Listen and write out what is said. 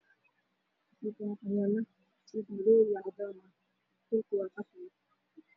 Halkaan waxaa yaalo jiif madow iyo cadaan ah dhulku waa qaxwi.